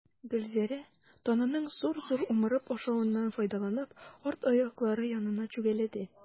Гөлзәрә, тананың зур-зур умырып ашавыннан файдаланып, арт аяклары янына чүгәләде.